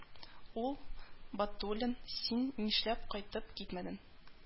Ул: Батуллин, син нишләп кайтып китмәдең